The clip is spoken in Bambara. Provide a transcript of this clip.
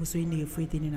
Muso in foyi tɛ ne